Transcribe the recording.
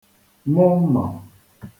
mụ mmà